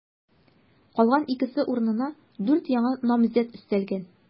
Калган икесе урынына дүрт яңа намзәт өстәлгән.